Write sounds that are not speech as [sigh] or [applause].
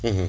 [hesitation] [hesitation]